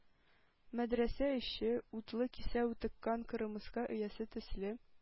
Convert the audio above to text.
Мәдрәсә эче, утлы кисәү тыккан кырмыска оясы төсле,